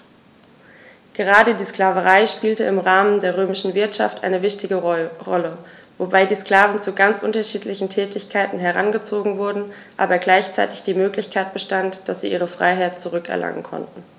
Gerade die Sklaverei spielte im Rahmen der römischen Wirtschaft eine wichtige Rolle, wobei die Sklaven zu ganz unterschiedlichen Tätigkeiten herangezogen wurden, aber gleichzeitig die Möglichkeit bestand, dass sie ihre Freiheit zurück erlangen konnten.